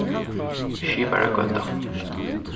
skiparagøta